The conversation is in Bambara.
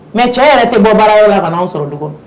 Mɛ cɛ yɛrɛ tɛ ban baara yɔrɔ la ka'aw sɔrɔ don